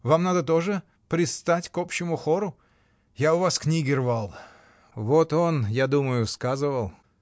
Вам надо тоже пристать к общему хору: я у вас книги рвал. Вот он, я думаю, сказывал.